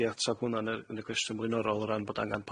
'di atab hwnna yn y yn y cwestiwn blaenorol o ran bod angan